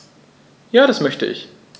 Ja, das möchte ich.